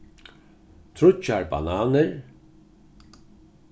tríggjar bananir